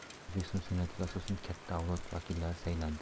o'zbekiston senatiga asosan katta avlod vakilllari saylandi